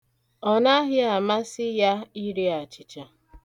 Ọ naghị amasị ya iri achịcha.